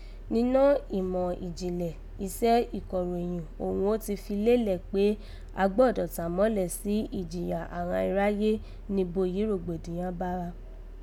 Ninọ́ ìmà ìjìnlẹ̀ isẹ́ ìkọ̀rọ̀yin òghun ó ti fi lé lẹ̀ kpé a gbọ́dọ̀ tàn mọ́lẹ̀ sí ìjìyà àghan iráyé ni ibo yìí rògbòdìyàn bá gha